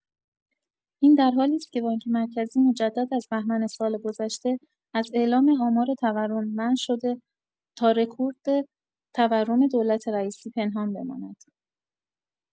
این در حالی است که بانک مرکزی مجدد از بهمن سال‌گذشته از اعلام آمار تورم منع شده تا رکورد تورم دولت رئیسی پنهان بماند.